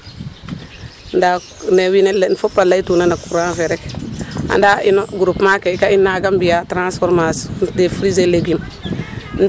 Ndaa ne wiin we laytuna fop a laytuna no courant fe rek anda ino groupement ke ga i nanga mbi'aa transformation des fuits et légume.